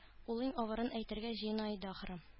Ул иң авырын әйтергә җыена иде, ахры